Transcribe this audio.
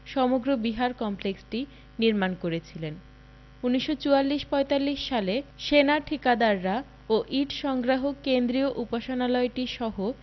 সমগ্র বিহার কমপ্লেক্সটি নির্মাণ করেছিলেন ১৯৪৪ ৪৫ সালে সেনা ঠিকাদাররা ও ইট সংগ্রাহক কেন্দ্রীয় উপাসনালয়টিসহ